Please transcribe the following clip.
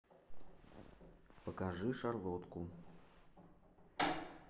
покажи шарлотку